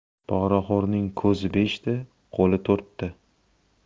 poraxo'rning ko'zi beshta qo'li to'rtta